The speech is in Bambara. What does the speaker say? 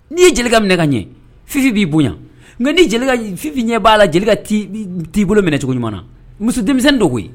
N'i ye jelikɛ minɛ ka ɲɛ fifin b'i bonya nka n'i fifin ɲɛ b'a la'i bolo minɛ cogo ɲuman na muso denmisɛnnin dogo yen